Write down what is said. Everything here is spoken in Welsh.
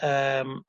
yym